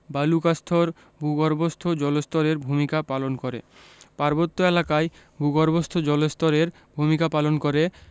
বালুকাস্তর ভূগর্ভস্থ জলস্তরের ভূমিকা পালন করে পার্বত্য এলাকায় ভূগর্ভস্থ জলস্তরের ভূমিকা পালন করে